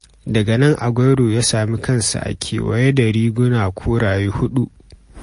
Daga nan Aguero ya sami kansa a kewaye da riguna koraye huɗu.